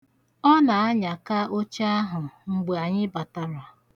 Ọ na-anyaka oche ahụ mgbe anyị batara.